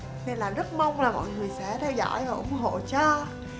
nên là rất mong là mọi người sẽ theo dõi và ủng hộ cho